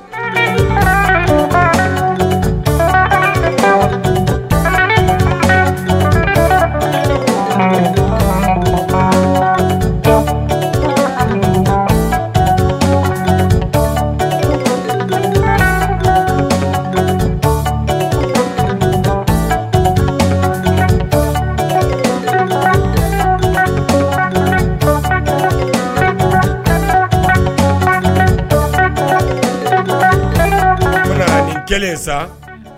Kelen sa